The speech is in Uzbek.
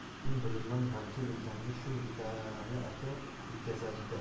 uning bilimdon vakil ekanini shu yigitali aka yetkazadi da